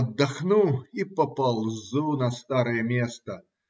Отдохну и поползу на старое место